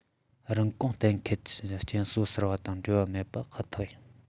རིན གོང གཏན འཁེལ གྱི རྐྱེན སྲོལ གསར པ དང འབྲེལ བ མེད པ ཁག ཐག ཡིན